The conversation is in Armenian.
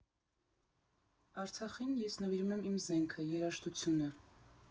Արցախին ես նվիրում եմ իմ զենքը՝ երաժշտությունը։